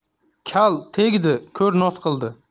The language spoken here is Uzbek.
kal tegdi ko'r noz qildi